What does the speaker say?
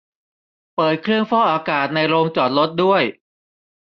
เปิดเครื่องฟอกอากาศในโรงจอดรถด้วย